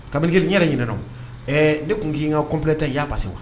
Kabini kelen n yɛrɛ ɲin ɛ ne tun k'i ka coplɛ tɛ n y'a basi wa